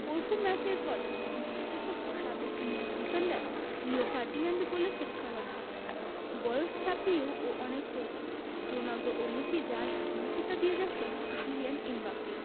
পরশু ম্যাচের পর বিবিসির বিশ্লেষক ও সাবেক ইংলিশ ডিফেন্ডার রিও ফার্ডিনান্ডই বলেছেন সবার ভাবনাটা বয়স ছাপিয়েও ও অনেক পরিণত রোনালদো ও মেসি যার হাতে মুকুটটা দিয়ে যাচ্ছে সেটি কিলিয়ান এমবাপ্পেই